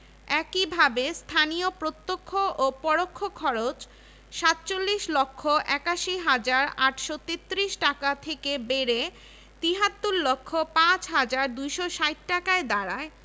একইভাবে স্থানীয় প্রত্যক্ষ ও পরোক্ষ খরচ ৪৭ লক্ষ ৮১ হাজার ৮৩৩ টাকা থেকে বেড়ে ৭৩ লক্ষ ৫ হাজার ২৬০ টাকায় দাঁড়ায়